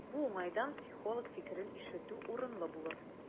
Бу уңайдан психолог фикерен ишетү урынлы булыр.